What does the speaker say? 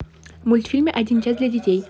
мультфильмы один час для детей